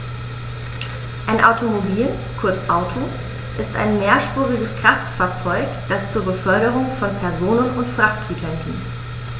Ein Automobil, kurz Auto, ist ein mehrspuriges Kraftfahrzeug, das zur Beförderung von Personen und Frachtgütern dient.